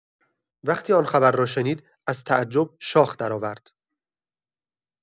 وقتی آن خبر را شنید، از تعجب شاخ درآورد.